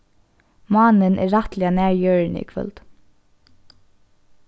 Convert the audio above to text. mánin er rættiliga nær jørðini í kvøld